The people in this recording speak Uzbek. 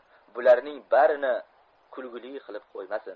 bularning barini kulgili qilib qo'ymasin